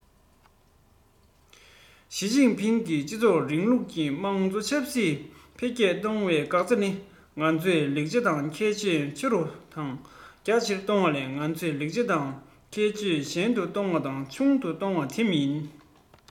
ཞིས ཅིན ཕིང གིས སྤྱི ཚོགས རིང ལུགས ཀྱི དམངས གཙོ ཆབ སྲིད འཕེལ རྒྱས གཏོང བའི འགག རྩ ནི ང ཚོའི ལེགས ཆ དང ཁྱད ཆོས ཆེ རུ གཏོང བ དང རྒྱ ཆེར གཏོང བ ལས ང ཚོའི ལེགས ཆ དང ཁྱད ཆོས ཞན དུ གཏོང བ དང ཆུང དུ གཏོང རྒྱུ དེ མིན